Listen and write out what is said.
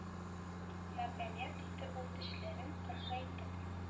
На памйат диде ул тешләрен ыржайтып